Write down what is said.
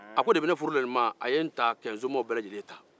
a ko depi ne furula ninma aye n ta ka n somɔgɔw bɛɛ lajɛlen ta